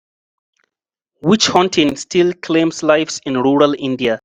Witch-hunting still claims lives in rural India